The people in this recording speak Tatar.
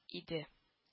Иде